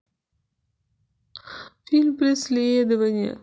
фильм преследование